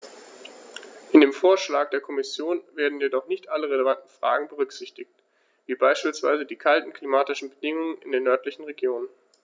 In dem Vorschlag der Kommission werden jedoch nicht alle relevanten Fragen berücksichtigt, wie beispielsweise die kalten klimatischen Bedingungen in den nördlichen Regionen.